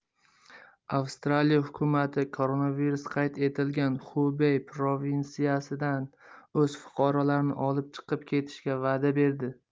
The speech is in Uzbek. avstraliya hukumati koronavirus qayd etilgan xubey provinsiyasidan o'z fuqarolarini olib chiqib ketishga va'da berdi